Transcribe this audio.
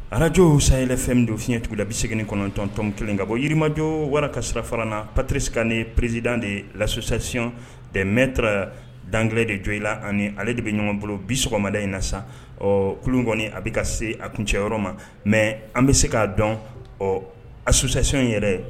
Alaj o sanyla fɛn min don fiɲɛɲɛuguda bɛ segin kɔnɔntɔntɔn kelen ka bɔ yirimajɔ wara kasira farana papresika ni pererizsid de lasssɛsiy demɛ tarawele dan de jɔ i la ani ale de bɛ ɲɔgɔn bolo bi sɔgɔmada in na sisan ɔ ku kɔni a bɛ ka se a kuncɛyɔrɔ ma mɛ an bɛ se k'a dɔn ɔ a sussɛsiyon yɛrɛ